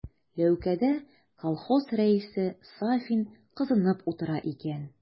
Ләүкәдә колхоз рәисе Сафин кызынып утыра икән.